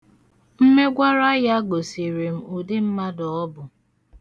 Mmegwara ya gosiri m udi mmadụ ọ bụ.